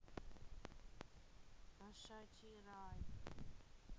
кошачий рай